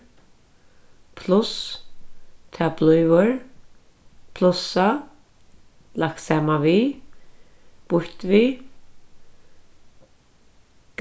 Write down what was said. pluss tað blívur plussa lagt saman við býtt við